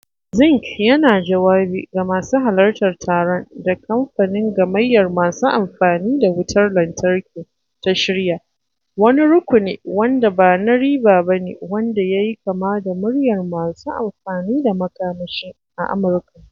Zinke yana jawabi ga masu halartar taron da kamfanin Gamaiyyar masu Amfani da wutar Lantarki ta shirya, wani rukuni wanda bana riba ba ne wanda yayi kama da "muryar masu amfani da makamashi" a Amurka.